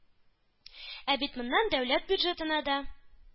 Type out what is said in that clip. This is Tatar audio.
Ә бит моннан дәүләт бюджетына да,